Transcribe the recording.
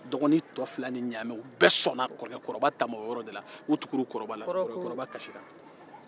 dɔgɔnin tɔ fila ni ɲaamɛ bɛɛ sɔnna kɔrɔkɛ kɔrɔba te ma o yɔrɔ la